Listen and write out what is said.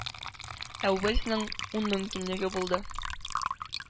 Ә уэльсның ун мөмкинлеге булды”.